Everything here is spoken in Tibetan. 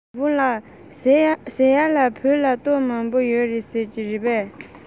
ཞའོ ཧྥུང ལགས ཟེར ཡས ལ བོད ལ གཏེར མང པོ ཡོད རེད ཟེར གྱིས རེད པས